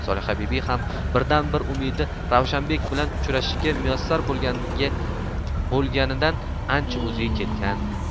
solihabibi ham birdan bir umidi ravshanbek bilan uchrashishga muyassar bo'lganidan ancha o'ziga kelgan